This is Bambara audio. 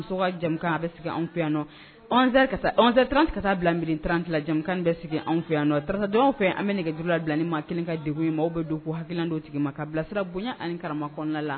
muso ka jɛmukan a bɛsigi an fɛ yan, ka 11 heure ta bila midi 30 jamukan bɛ sigi an fɛ yan ,tarata donya fɛ , an bɛ nɛgɛjurusira labila ni maa 1 ka degun ye,, maaw bɛ don ka hakilila di o tigi ma , k'a bilasira bonya ani karama kɔnɔna la